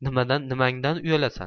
nimangdan uyalasan